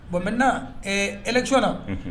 Bon mɛ ec na